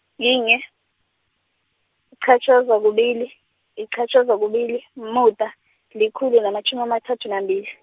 yinye, yiqhatjhaza, kubili, yiqhatjhaza, kubili, umuda, likhulu namatjhumi amathathu nambili.